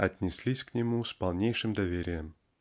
отнеслись к нему с полнейшим доверием.